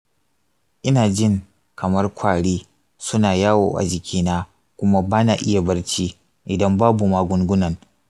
ina jin kamar kwari suna yawo a jikina kuma ba na iya barci idan babu magungunan.